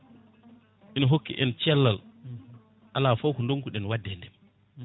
ene hokki en cellal ala fo ko donkuɗen wadde e ndema